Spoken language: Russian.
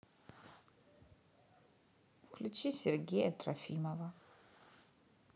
включи сергея трофимова